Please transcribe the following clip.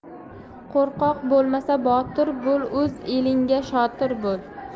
qo'rqoq bo'lma botir bo'l o'z elinga shotir bo'l